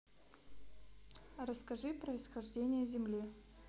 расскажи происхождение земли